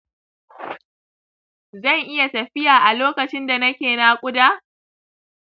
zan iya tafiya a lokacin da nake nakuda